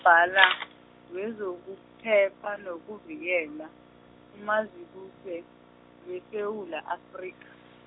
-bhala, wezokuphepha nokuvikela, uMazibuse, weSewula Afrika.